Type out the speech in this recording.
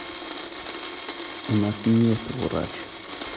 у нас нет врача